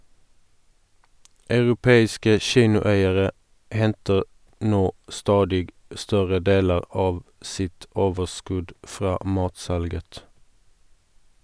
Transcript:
Europeiske kinoeiere henter nå stadig større deler av sitt overskudd fra matsalget.